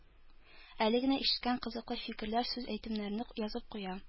Әле генә ишеткән кызыклы фикерләр, сүз-әйтемнәрне язып куя